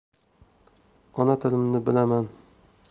ona tilimni bilaman